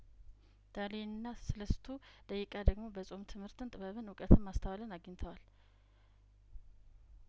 ዳንኤልና ስለስቱ ደቂቅ ደግሞ በጾም ትምህርትን ጥበብን እውቀትን ማስተዋልን አግኝተዋል